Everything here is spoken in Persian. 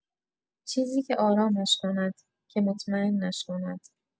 چیزی که آرامش کند، که مطمئنش کند.